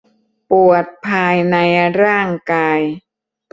ปวดภายในร่างกาย